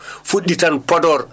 fuɗɗi tan Podor